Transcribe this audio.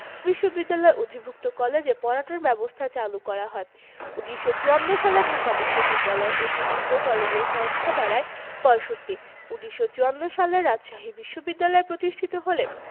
বিশ্ববিদ্যালয়ের অধিভুক্ত কলেজে পড়ানোর ব্যবস্থা চালু করা হয় ১৯৫৪ সালে ঢাকা বিশ্ববিদ্যালয়ের অধিভুক্ত কলেজের সংখ্যা দাঁড়ায় ৬৫ ১৯৫৪ সালে রাজশাহী বিশ্ববিদ্যালয় প্রতিষ্ঠিত হলে